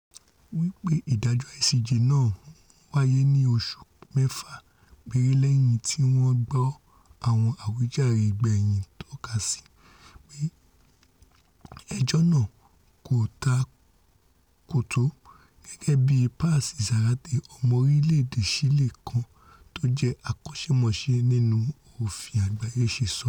wí pé ìdájọ́ ICJ náà ńwáyé ní oṣù mẹ́fà péré lẹ́yìn tíwọ́n gbọ́ àwọn àwíjàre ìgbẹ̀yìn tọ́kasíi pé ẹjọ́ náà ''kò ta kókó’,- gẹgẹ bíi Paz Zárate, ọmọ orílẹ̀-èdè Ṣílè kan tójẹ́ akọ́ṣẹ́mọṣẹ́ nínú òfin àgbáyé ṣe sọ.